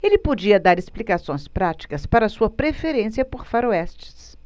ele podia dar explicações práticas para sua preferência por faroestes